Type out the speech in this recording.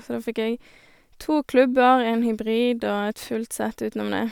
Så da fikk jeg to klubber, én hybrid og et fullt sett utenom det.